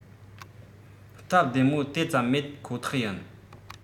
སྟབས བདེ མོ དེ ཙམ མེད ཁོ ཐག ཡིན